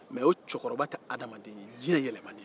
mɛ o cɛkɔrɔba tɛ adamaden ye jinɛ yɛlɛmanen do